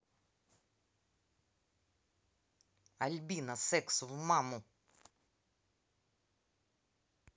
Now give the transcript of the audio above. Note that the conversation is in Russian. альбина секс в маму